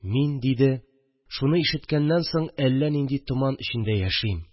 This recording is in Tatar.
– мин, – диде, – шуны ишеткәннән соң әллә нинди томан эчендә яшим